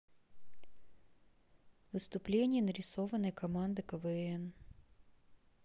выступление нарисованной команды квн